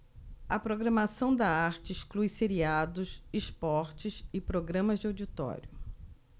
a programação da arte exclui seriados esportes e programas de auditório